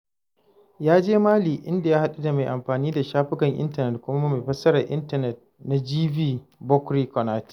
Ya je Mali, inda ya haɗu da mai amfani da shafukan intanet kuma mai fassarar intanet na GV, Boukary Konaté.